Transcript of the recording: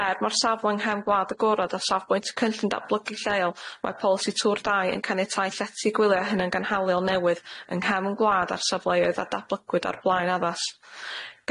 Er ma'r safle yng nghefn gwlad agorad a safbwynt cynllun datblygu lleol mae polisi tŵr dai yn caniatáu llety gwylia hynna'n gynhaliol newydd yng nghefn gwlad a'r safleoedd a datblygwyd o'r blaen addas.